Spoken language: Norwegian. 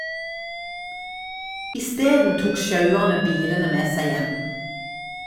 Isteden tok sjauerne bilene med seg hjem.